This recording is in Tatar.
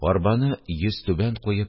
Арбаны йөзтүбән куеп,